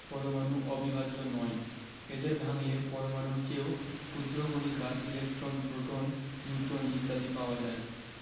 পরমাণু অবিভাজ্য নয় এদের ভাঙলে পরমাণুর চেয়েও ক্ষুদ্র কণিকা ইলেকট্রন প্রোটন নিউট্রন ইত্যাদি পাওয়া যায়